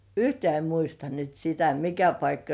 yhtään en muista nyt sitä mikä paikka